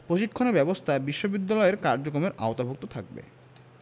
প্রশিক্ষণের ব্যবস্থা বিশ্ববিদ্যালয়ের কার্যক্রমের আওতাভুক্ত থাকবে